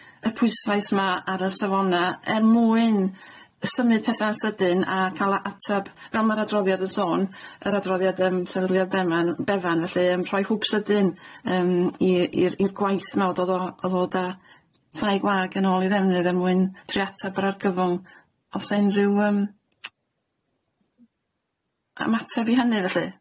y pwyslais ma' ar y safona er mwyn yy symud petha' sydyn a ca'l a- ateb fel ma'r adroddiad yn sôn yr adroddiad yym sefydliad beman- Befan felly yym rhoi hwb sydyn yym i i'r i'r gwaith 'ma o dod a o ddod tai gwag yn ôl i ddefnydd er mwyn trio atab yr argyfwng o's 'na unryw yym ymateb i hynny felly?